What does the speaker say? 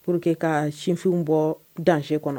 Pour que ka sinfinw bɔ danger kɔnɔ